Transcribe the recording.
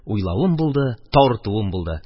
Уйлавым булды – тартуым булды.